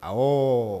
Awɔɔ